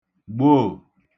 gboò